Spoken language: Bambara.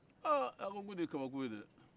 aa a ko nin ye kabako ye de